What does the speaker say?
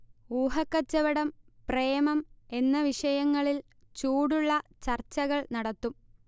ഊഹക്കച്ചവടം, പ്രേമം എന്ന വിഷയങ്ങളിൽ ചൂടുള്ള ചർച്ചകൾ നടത്തും